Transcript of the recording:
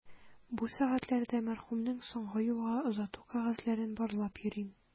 Бу сәгатьләрдә мәрхүмнең соңгы юлга озату кәгазьләрен барлап йөрим.